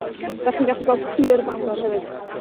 'dach chi'n gallu gweld pier Bangor hefyd.